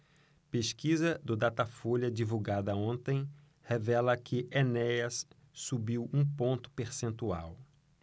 pesquisa do datafolha divulgada ontem revela que enéas subiu um ponto percentual